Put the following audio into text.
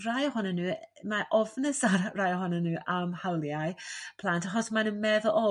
rai ohonyn n'w mae ofnus ar rai ohonyn n'w am hawliau plant achos mae n'w meddwl